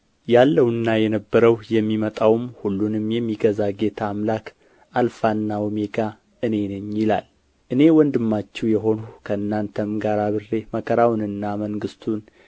ያለውና የነበረው የሚመጣውም ሁሉንም የሚገዛ ጌታ አምላክ አልፋና ዖሜጋ እኔ ነኝ ይላል እኔ ወንድማችሁ የሆንሁ ከእናንተም ጋር አብሬ መከራውንና መንግሥቱን